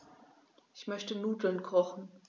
Ich möchte Nudeln kochen.